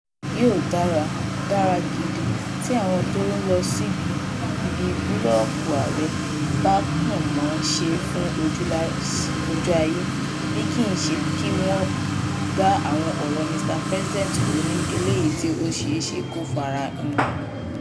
Yóò dára, dára gidi, tí àwon tó lọ síbẹ̀ (ibi búlọ́ọ̀gù Aàrẹ) bá kàn má ṣeé fún "ojú ayé" bí kii ṣe Kí wọ́n dá àwọn ọ̀rọ̀ Mr President rò ní eléyìí tó ṣeé ṣe kó "fara in".